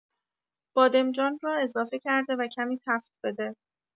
بادمجان را اضافه کرده و کمی تفت بده.